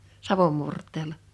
savon murteella